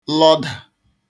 lọdà